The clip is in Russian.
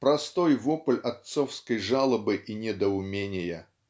простой вопль отцовской жалобы и недоумения